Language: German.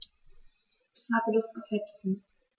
Ich habe Lust auf Häppchen.